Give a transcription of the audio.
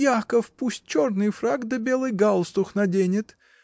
— Яков пусть черный фрак да белый галстух наденет.